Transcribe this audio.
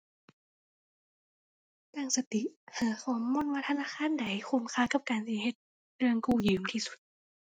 ตั้งสติหาข้อมูลว่าธนาคารใดคุ้มค่ากับการสิเฮ็ดเรื่องกู้ยืมที่สุด